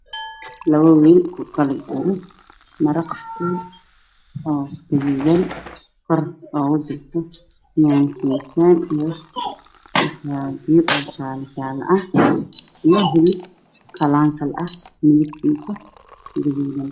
Waa saxan waxaa ku jira suugo